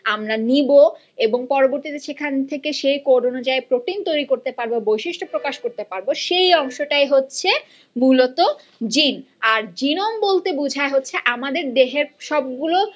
আমরা নিব এবং পরবর্তীতে সেখান থেকে সে কোড অনুযায়ী সে প্রোটিন তৈরি করতে পারবে বৈশিষ্ট্য প্রকাশ করতে পারবে সেই অংশটাই হচ্ছে মূলত জিন আর জিনোম বলতে বুঝায় হচ্ছে আমাদের দেহের সবগুলো